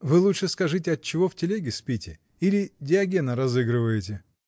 — Вы лучше скажите, отчего в телеге спите: или Диогена разыгрываете?